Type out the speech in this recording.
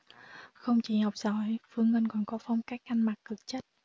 không chỉ học giỏi phương ngân còn có phong cách ăn mặc cực chất